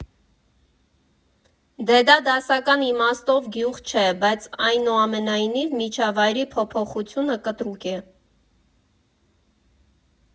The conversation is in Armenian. Դե դա դասական իմաստով գյուղ չէ, բայց այնուամենայնիվ միջավայրի փոփոխությունը կտրուկ է.